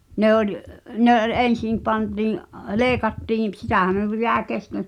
ne oli ne oli ensin pantiin leikattiin - sitähän minun piti jäi kesken